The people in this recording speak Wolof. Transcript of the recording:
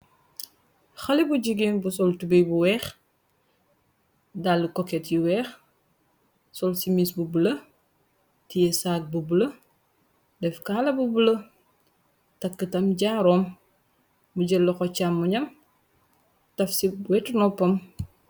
Xali bu jigeen bu sol tubiy bu weex, dall koket yu weex, sol ci mis bu bula, tie saag bu bula, def kaala bu bula, takktam jaaroom, mu jëlo ko càmmu nam taf ci wetu noppam.